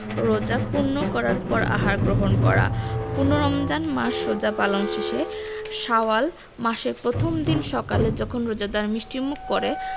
রোজা পূর্ণ করার পর আহার গ্রহণ করা পূর্ণ রমজান মাস রোজা পালন শেষে শাওয়াল মাসের প্রথম দিন সকালে যখন রোজাদার মিষ্টিমুখ করে